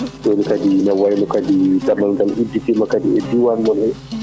joni kadi ne wayno kadi damal ngal kadi udditima e diwan kadi e diwan moon he